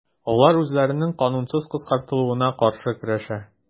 Алар үзләренең канунсыз кыскартылуына каршы көрәшә.